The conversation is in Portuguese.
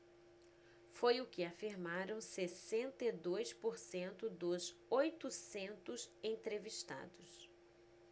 foi o que afirmaram sessenta e dois por cento dos oitocentos entrevistados